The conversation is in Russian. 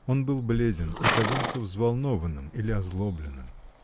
Он был бледен и казался взволнованным или озлобленным.